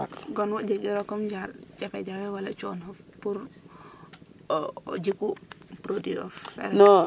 kon wo jegiro comme genre jafe jafe wala cono pour o jiku produit of